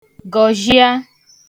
gọ̀jịa